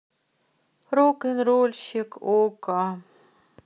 рок н рольщик окко